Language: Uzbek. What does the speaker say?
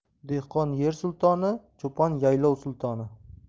dehqon yer sultoni cho'pon yaylov sultoni